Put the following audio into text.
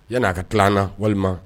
Yani a ka kil'an na walima